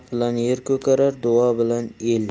ko'karar duo bilan el